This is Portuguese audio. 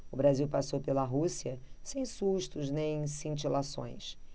o brasil passou pela rússia sem sustos nem cintilações